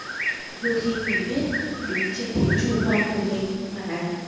đôi khi người viết đứng trên thế chủ quan của mình phản ánh